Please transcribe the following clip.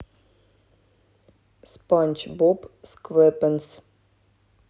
спанч боб сквепенс